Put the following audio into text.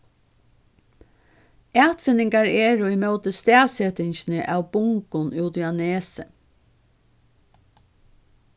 atfinningar eru ímóti staðsetingini av bungum úti á nesi